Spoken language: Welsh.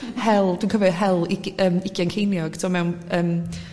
hel... dwi'n cyfio hel i- yym ugain ceiniog t'o mewn yym